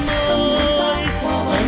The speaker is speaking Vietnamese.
ơi